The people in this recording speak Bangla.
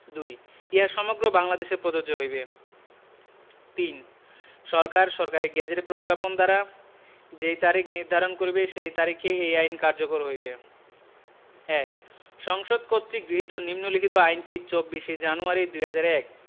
২ ইহা সমগ্র বাংলাদেশে প্রযোজ্য হইবে ৩ সরকার সরকারী গেজেটে প্রজ্ঞাপন দ্বারা যেই তারিখ নির্ধারণ করিবে সেই তারিখে এই আইন কার্যকর হইবে ১. সংসদ কর্তৃক গৃহীত নিম্নলিখিত আইনটি ২৪শে জানুয়ারী ২০০১